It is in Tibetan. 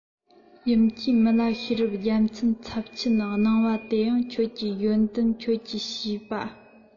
ཡུམ གྱིས མི ལ ཤེས རབ རྒྱལ མཚན ཚབས ཆེན གནང བ དེ ཡང ཁྱོད ཀྱི ཡོན ཏན ཁྱོད ཀྱི བྱས པ